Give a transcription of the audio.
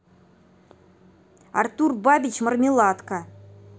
артур бабич мармеладка